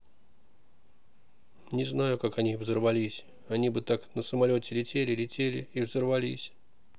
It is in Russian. не знаю как они взорвались они бы так на самолете летели летели и взорвались